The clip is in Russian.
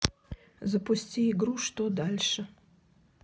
запусти игру что дальше